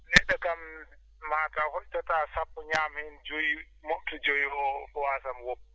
neɗɗo kam maataw hoccataa sappo ñaama heen joyi moofta joyi o o waasamo woppu